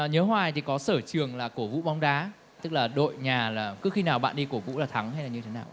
nhớ hoài thì có sở trường là cổ vũ bóng đá tức là đội nhà là cứ khi nào bạn đi cổ vũ là thắng hay là như thế nào ạ